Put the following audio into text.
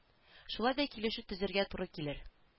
Шулай да килешү төзәргә туры килер